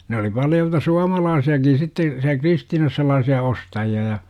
ne oli paljolti suomalaisiakin sitten siellä Kristiinassa sellaisia ostajia ja